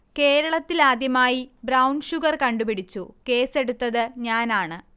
കേരളത്തിൽ ആദ്യമായി 'brown sugar' കണ്ടുപിടിച്ചു, കേസ്സെടുത്തത് ഞാനാണ്